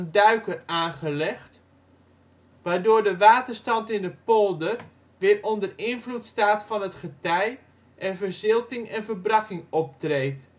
duiker aangelegd, waardoor de waterstand in de polder weer onder invloed staat van het getij en verzilting en verbrakking optreedt